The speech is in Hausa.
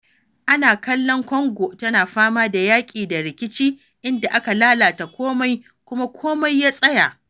Ana kallon Congo tana fama da yaƙi da rikici, inda aka lalata komai kuma komai ya tsaya